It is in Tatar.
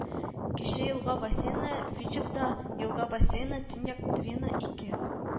Кече елга бассейны Вычегда, елга бассейны Төньяк Двина ике